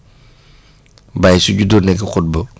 Baye su juddoo nekk xudbu